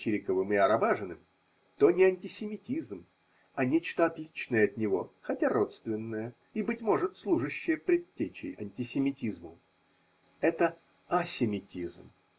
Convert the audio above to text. Чириковым и Арабажиным, то не антисемитизм, а нечто отличное от него, хотя родственное и, быть может, служащее предтечей антисемитизму. – Это асемитизм.